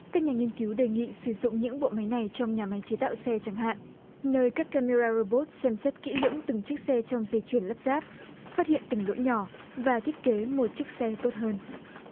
các nhà nghiên cứu đề nghị sử dụng những bộ máy này trong nhà máy chế tạo xe chẳng hạn nơi các cam mê ra rô bốt xem xét kỹ lưỡng từng chiếc xe trong dây chuyền lắp ráp phát hiện từng lỗi nhỏ và thiết kế một chiếc xe tốt hơn